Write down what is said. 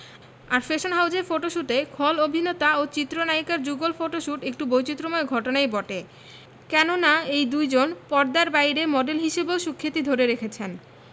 আর fashion হাউজের ফটোশুটে খল অভিনেতা ও চিত্রনায়িকার যুগল ফটোশুট একটু বৈচিত্রময় ঘটনাই বটে কেননা এই দুইজন পর্দার বাইরে মডেল হিসেবেও সুখ্যাতি ধরে রেখেছেন